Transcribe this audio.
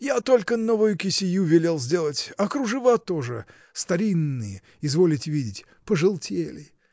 Я только новую кисею велел сделать, а кружева — тоже старинные: изволите видеть — пожелтели.